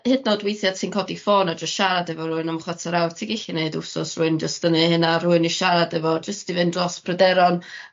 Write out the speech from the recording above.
hyd yn o'd weithia' ti'n codi ffôn a jys siarad efo rywun am chwarter awr ti gellu neud ws o's rywun jys yn neu' hynna rywun i siarad efo jyst i fynd dros pryderon